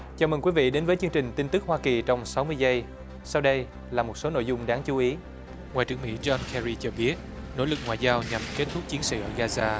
chào mừng quý vị đến với chương trình tin tức hoa kỳ trong sáu mươi giây sau đây là một số nội dung đáng chú ý ngoại trưởng mỹ gion ke ri cho biết nỗ lực ngoại giao nhằm kết thúc chiến sự ở ga gia